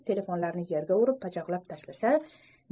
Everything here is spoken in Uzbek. telefonlarni yerga urib pachoqlab tashlasa